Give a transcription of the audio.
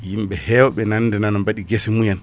yimɓeɓe heewɓe nande nana baɗi guesse mumen